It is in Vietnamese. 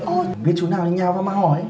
biết chú nào thì nhào vào mà hỏi